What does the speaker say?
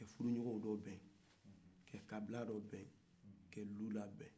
ka furu ɲɔgɔnw la bɛn ka kabila la bɛn ka duw la bɛn